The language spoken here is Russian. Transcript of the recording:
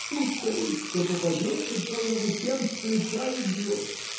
Шутка ли, что попадется под руку, тем сплеча и бьет!